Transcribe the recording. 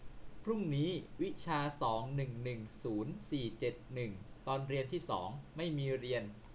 พรุ่งนี้วิชาสองหนึ่งหนึ่งศูนย์สี่เจ็ดหนึ่งตอนเรียนที่สองไม่มีเรียน